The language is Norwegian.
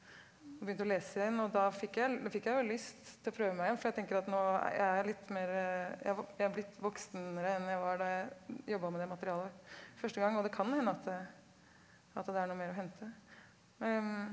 jeg begynte å lese i den og da fikk jeg da fikk jeg jo lyst til å prøve meg igjen for jeg tenker at nå jeg er litt mer jeg jeg har blitt voksnere enn jeg var da jeg jobba med det materialet første gang og det kan hende at det at det er noe mer å hente .